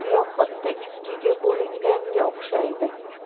dunyo xuddi ikkiga bo'linganga o'xshaydi